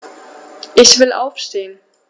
Ich will aufstehen.